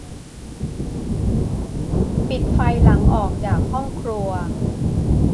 ปิดไฟหลังออกจากห้องครัว